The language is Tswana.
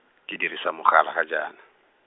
ke dirisa mogala ga jaana.